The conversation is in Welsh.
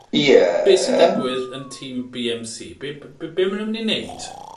Ie? Be' sy'n digwydd yn Team Bee Em See be' b- be' be' ma' n'w myn' i neud?